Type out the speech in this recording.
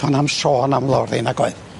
Do' na'm sôn am lori nag oedd?